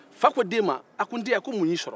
fa ko den ma ko mun y'i sɔrɔ n den